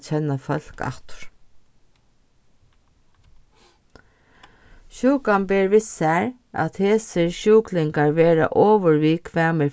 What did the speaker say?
kenna fólk aftur sjúkan ber við sær at hesir sjúklingar verða ovurviðkvæmir